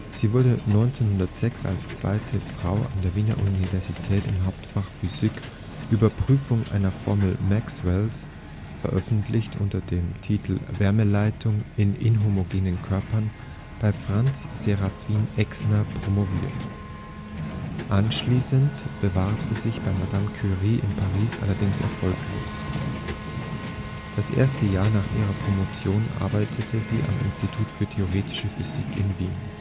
Sie wurde 1906 als zweite Frau an der Wiener Universität im Hauptfach Physik über Prüfung einer Formel Maxwells (veröffentlicht unter dem Titel Wärmeleitung in inhomogenen Körpern) bei Franz-Serafin Exner promoviert. Anschließend bewarb sie sich bei Marie Curie in Paris, allerdings erfolglos. Das erste Jahr nach ihrer Promotion arbeitete sie am Institut für Theoretische Physik in Wien